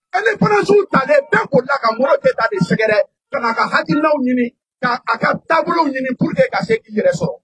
Ani kɔlɔsisiw ta da kun la ka mori de ka sɛgɛrɛ ka'a ka hakililaw ɲini ka a ka taabolo ɲini k de ka se yɛrɛ sɔrɔ